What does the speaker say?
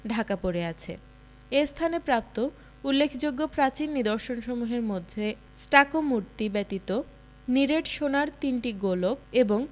ঢাকা পড়ে আছে এ স্থানে প্রাপ্ত উল্লেখযোগ্য প্রাচীন নিদর্শনসমূহের মধ্যে স্টাকো মূর্তি ব্যতীত নিরেট সোনার তিনটি গোলক এবং